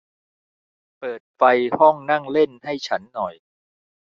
เปิดไฟห้องนั่งเล่นให้ฉันหน่อย